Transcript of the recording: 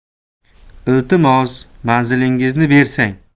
iltimos manzilingizni bersang